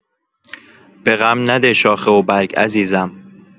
به غم نده شاخه و برگ عزیزم